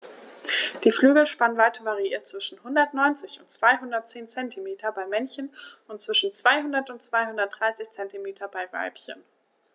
Die Flügelspannweite variiert zwischen 190 und 210 cm beim Männchen und zwischen 200 und 230 cm beim Weibchen.